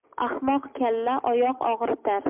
ahmoq kalla oyoq og'ritar